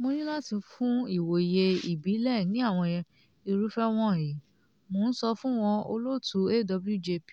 "Mo ní láti fún ìwòye ìbílẹ̀ ní àwọn irúfẹ́ wọ̀nyí...mò ń sọ fún wọn [olóòtú AWJP]